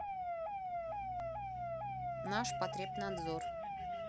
наш потребнадзор